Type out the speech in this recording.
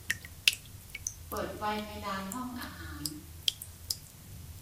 เปิดไฟเพดานห้องอาหาร